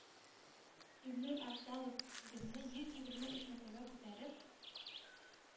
Илнур Афзалов герне йөз егерме өч мәртәбә күтәреп,